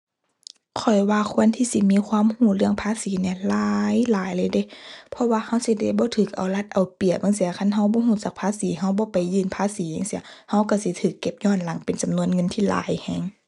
ข้อยว่าควรที่สิมีความรู้เรื่องภาษีเนี่ยหลายหลายเลยเดะ เพราะว่ารู้สิได้บ่รู้เอารัดเอาเปรียบจั่งซี้ คันรู้บ่รู้จักภาษี รู้บ่ไปยื่นภาษีจั่งซี้ รู้รู้สิรู้เก็บย้อนหลังเป็นจำนวนเงินที่หลายรู้